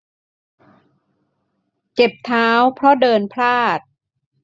เจ็บเท้าเพราะเดินพลาด